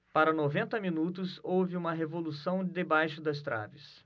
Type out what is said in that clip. para noventa minutos houve uma revolução debaixo das traves